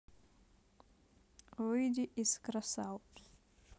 выйди из crossout